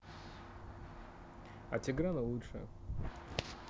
а тигран лучше